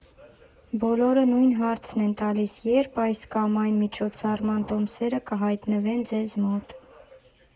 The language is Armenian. Բոլորը նույն հարցն են տալիս՝ ե՞րբ այս կամ այն միջոցառման տոմսերը կհայտնվեն ձեզ մոտ։